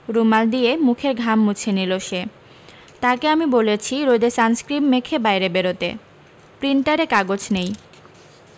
রুমাল দিয়ে মুখের ঘাম মুছে নিলো সে তাকে আমি বলেছি রোদে সানস্ক্রীম মেখে বাইরে বেরোতে প্রিন্টারে কাগজ নেই